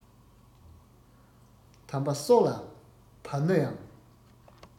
དམ པ སྲོག ལ བབས ན ཡང